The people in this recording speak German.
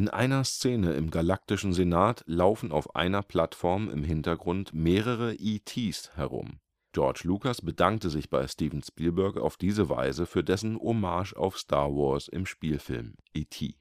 einer Szene im Galaktischen Senat laufen auf einer Plattform im Hintergrund mehrere E.T.s herum. George Lucas bedankte sich bei Steven Spielberg auf diese Weise für dessen Hommage auf Star Wars im Spielfilm E.T.